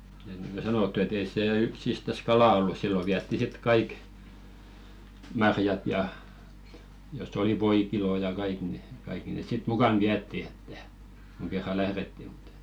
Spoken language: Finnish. että niin kuin sanottu että ei se yksistään kalaa ollut silloin vietiin sitten kaikki marjat ja jos oli voikilo ja kaikki niin kaikki ne sitten mukana vietiin että kun kerran lähdettiin mutta että